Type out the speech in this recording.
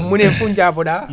moni hen foof jaaboɗa